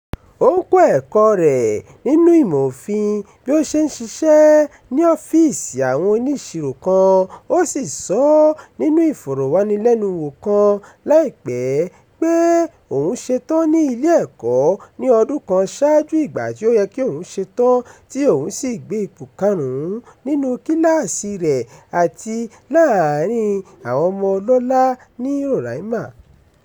Ó ń kọ́ ẹ̀kọ́ọ rẹ̀ nínú ìmọ̀ òfin bí ó ṣe ń ṣiṣẹ́ ní ọ́fíìsì àwọn oníṣirò kan, ó sì sọ ọ́ nínú ìfọ̀rọ̀wánilẹ́nuwò kan láìpẹ́, pé òun ṣetán ní ilé-ẹ̀kọ́ ní ọdún kan ṣáájú ìgbà tí ó yẹ kí òun ṣetán tí òun sì gbé ipò karùn-ún nínúu kíláàsìi rẹ̀ àti láàárín-in àwọn ọmọ ọlọ́lá ní Roraima.